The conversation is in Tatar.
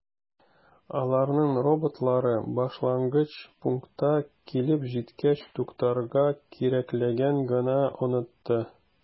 Аларның роботлары башлангыч пунктка килеп җиткәч туктарга кирәклеген генә “онытты”.